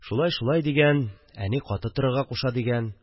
– шулай, шулай дигән, әни каты торырга куша дигән